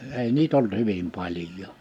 ei niitä ollut hyvin paljon